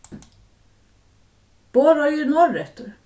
borðoy er norðureftir